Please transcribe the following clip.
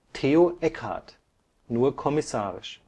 Theo Eckardt (kommissarisch